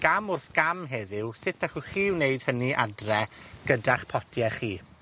gam wrth gam heddiw. Sut allwch chi wneud hynny adre gyda'ch potie chi.